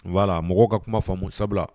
Voila mɔgɔw ka kuma faamu sabula